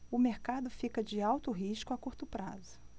o mercado fica de alto risco a curto prazo